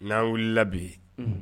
N'a wili labɛnbi